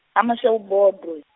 Ha Mashau bodwe.